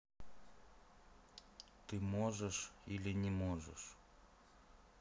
так можешь или не можешь